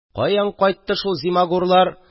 Каян кайтты шул зимагурлар!